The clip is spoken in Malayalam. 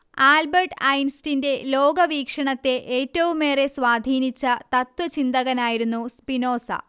ആൽബർട്ട് ഐൻസ്റ്റിന്റെ ലോകവീക്ഷണത്തെ ഏറ്റവുമേറെ സ്വാധീനിച്ച തത്ത്വചിന്തകനായിരുന്നു സ്പിനോസ